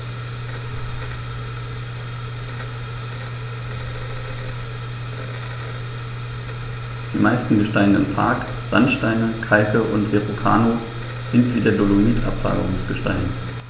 Die meisten Gesteine im Park – Sandsteine, Kalke und Verrucano – sind wie der Dolomit Ablagerungsgesteine.